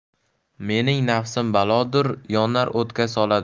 mening nafsim balodur yonar o'tga soladur